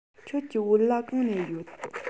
ཁྱོད ཀྱི བོད ལྭ གང ན ཡོད